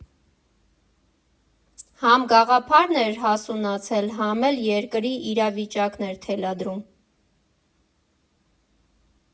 Համ գաղափարն էր հասունացել, համ էլ երկրի իրավիճակն էր թելադրում։